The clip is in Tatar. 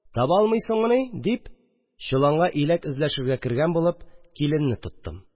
«таба алмыйсыңмыни?» – дип, чоланга иләк эзләшергә кергән булып, киленне тоттым